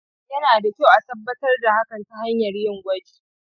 yana da kyau a tabbatar da hakan ta hanyar yin gwaji.